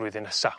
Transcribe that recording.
flwyddyn nesa